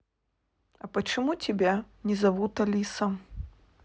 а почему тебя не зовут алиса